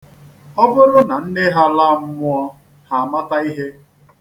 Ọ bụrụ na nne ha laa mmụọ, ha amata ihe.